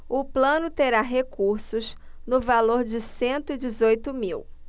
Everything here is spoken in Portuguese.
o plano terá recursos no valor de cento e dezoito mil